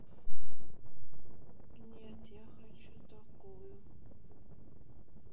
нет я хочу такую